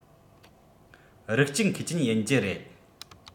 རིགས གཅིག མཁས ཅན ཡིན གྱི རེད